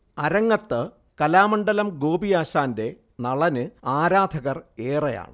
അരങ്ങത്ത് കലാമണ്ഡലം ഗോപിയാശാന്റെ നളന് ആരാധകർ ഏറെയാണ്